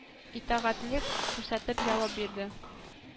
Итагатьлек күрсәтеп җавап бирде